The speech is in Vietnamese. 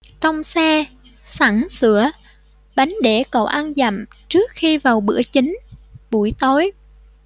trong xe sẵn sữa bánh để cậu ăn dặm trước khi vào bữa chính buổi tối